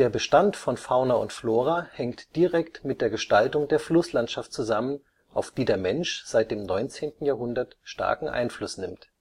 Bestand von Fauna und Flora hängt direkt mit der Gestaltung der Flusslandschaft zusammen, auf die der Mensch seit dem 19. Jahrhundert starken Einfluss nimmt